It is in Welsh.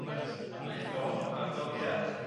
Reit. Amaethon fab Don ia?